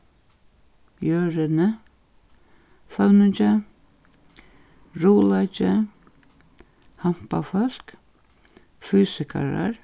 jørðini føvningi ruðuleiki hampafólk fysikarar